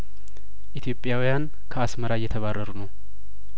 ኢትዮጵያውያን ከአስመራ እየተባረሩ ነው